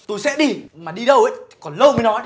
tôi sẽ đi mà đi đâu ấy thì còn lâu mới nói